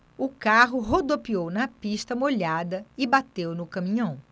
o carro rodopiou na pista molhada e bateu no caminhão